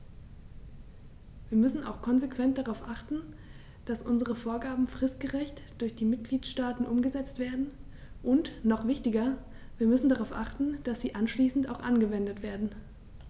Wir müssen auch konsequent darauf achten, dass unsere Vorgaben fristgerecht durch die Mitgliedstaaten umgesetzt werden, und noch wichtiger, wir müssen darauf achten, dass sie anschließend auch angewendet werden.